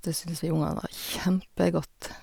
Det syns vi ungene var kjempegodt.